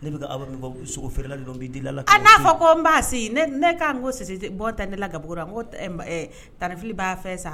Ne bɛka Aba min fɔ sogo feerela de don, b'i deeli, a n'a fɔ n baasi ne kan ɲe ko sisi bɔ n tɛ ne la gwabugu la, n ko ɛɛ, tanti Fili b'a fɛn san alllah kama